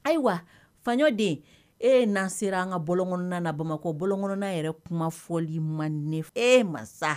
Ayiwa faɲɔden e n'an sera an ka bɔg na bamakɔ bɔan yɛrɛ kumafɔli manden fɛ e ma